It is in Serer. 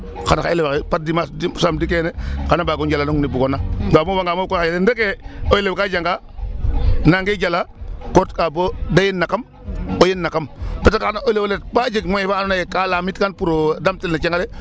Xan xa elew axe par dimanche samedi kene xan a mbaag o njalanong ne bugoona ndaa o moofanga moof xaye koy xaye rek ke o elew ka janga nangee jalaa koo retka bo de yen na kamb o yen na kamb peut etre xan o elew oxe ret ba jeg moyen fa andoona yee ka laamitkan pour o damtel no cang ale.